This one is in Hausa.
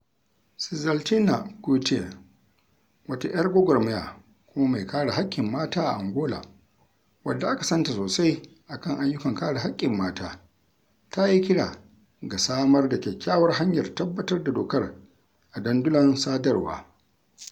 Sizaltina Cutaia, wata 'yar gwargwarmaya kuma mai kare haƙƙin mata a Angola, wadda aka san ta sosai a kan ayyukan kare haƙƙin mata, ta yi kira ga samar da kyakkyawar hanyar tabbatar da dokar a dandulan sadarwa: